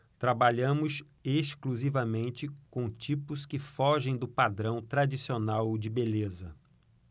trabalhamos exclusivamente com tipos que fogem do padrão tradicional de beleza